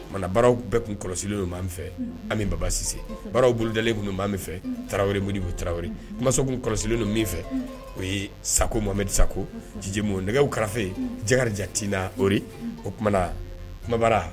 Oumana baararaww bɛɛ tun kɔlɔsi min fɛ an bɛ babasise bararaww bolod tun min fɛ tarawelerawri taraweleriso kɔlɔsi ninnu min fɛ o ye sa mameri sakɔ ci nɛgɛ kɛrɛfɛfe jajaina ori o t kumabara